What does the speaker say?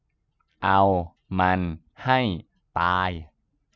เอาให้ตาย